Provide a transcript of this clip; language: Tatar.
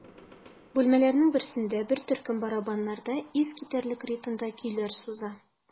Бүлмәләрнең берсендә бер төркем барабаннарда искитәрлек ритмда көйләр суза.